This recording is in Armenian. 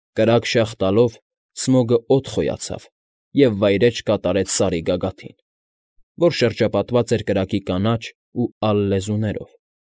Կրակ շաղ տալով՝ Սմոգը օդ խոյացավ և վայրէջք կատարեց Սարի գագաթին, որ շրջապատված էր կրակի կանաչ ու ալ լեզուներով։